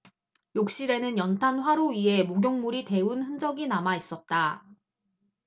욕실에는 연탄 화로 위에 목욕물이 데운 흔적이 남아있었다